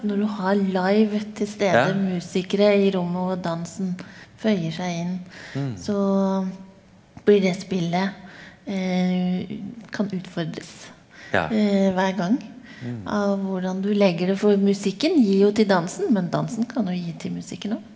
når du har live tilstede musikere i rommet og dansen føyer seg inn så blir det spillet kan utfordres hver gang av hvordan du legger det, for musikken gir jo til dansen, men dansen kan jo gi til musikken òg.